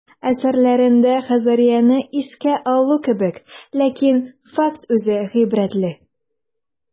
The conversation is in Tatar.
Әсәрләрендә Хазарияне искә алу кебек, ләкин факт үзе гыйбрәтле.